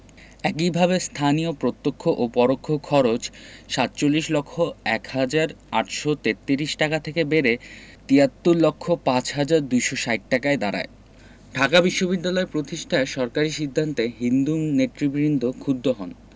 একইভাবে স্থানীয় প্রত্যক্ষ ও পরোক্ষ খরচ ৪৭ লক্ষ ১ হাজার ৮৩৩ টাকা থেকে বেড়ে ৭৩ লক্ষ ৫ হাজার ২৬০ টাকায় দাঁড়ায় ঢাকা বিশ্ববিদ্যালয় প্রতিষ্ঠার সরকারি সিদ্ধান্তে হিন্দু নেতৃবৃন্দ ক্ষুব্ধ হন